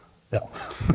ja .